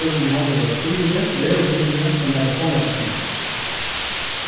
høvuðsinnihaldið vóru tíðindi veðurtíðindi og nakrar tónleikasendingar